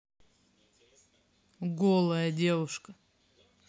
голая девушка